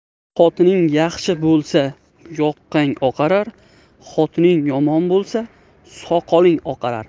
xotining yaxshi bo'lsa yoqang oqarar xotining yomon bo'lsa soqoling oqarar